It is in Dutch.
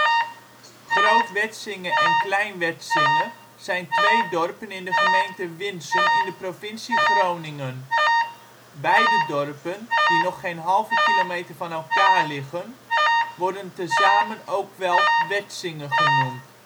Groot Wetsinge en Klein Wetsinge (Gronings: Groot Wetsen en Klain Wetsen) zijn twee dorpen in de gemeente Winsum in de provincie Groningen. Beide dorpen, die nog geen halve kilometer van elkaar liggen, worden tezamen ook wel Wetsinge (Wetsen) genoemd